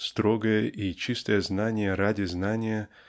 строгое и чистое знание ради знания